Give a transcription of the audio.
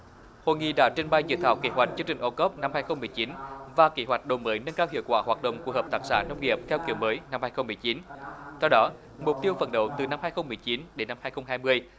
hội nghị đã trình bày dự thảo kế hoạch chương trình ô cốp năm hai không mười chín và kế hoạch đổi mới nâng cao hiệu quả hoạt động của hợp tác xã nông nghiệp theo kiểu mới năm hai không mười chín theo đó mục tiêu phấn đấu từ năm hai không mười chín đến năm hai không hai mươi